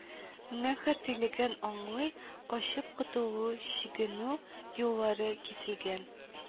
Нең хөртилеген аңлый: качып котылу, чигенү юллары киселгән,